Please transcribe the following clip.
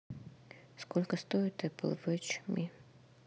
сколько стоит apple watch me